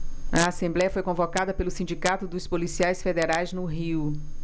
a assembléia foi convocada pelo sindicato dos policiais federais no rio